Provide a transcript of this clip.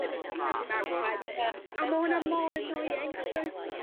y dy' Llun a'r dy' Mawrth wedyn. Ie. A ma' wnna mor annoying achos